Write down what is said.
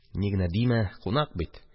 Ни генә димә, кунак бит.